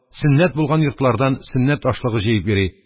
Сөннәт булган йортлардан сөннәт ашлыгы җыеп йөри,